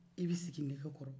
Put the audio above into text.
i bɛ sigi nɛgɛ kɔrɔ